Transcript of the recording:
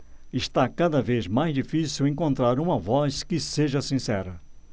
está cada vez mais difícil encontrar uma voz que seja sincera